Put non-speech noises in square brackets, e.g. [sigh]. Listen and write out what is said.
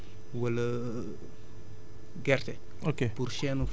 ñebe wala [hesitation] gerte